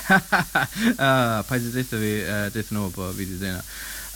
Yy paid a deutho fi yy deutho nw bo' fi 'di deud 'na .